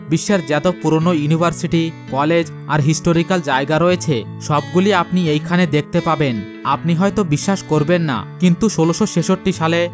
বিশ্বের যত পুরনো ইউনিভার্সিটি কলেজ আর হিস্টোরিকাল জায়গা রয়েছে সবগুলোই আপনি এখানে দেখতে পাবেন আপনি হয়তো বিশ্বাস করবেন কিন্তু ১৬৬৬ সালে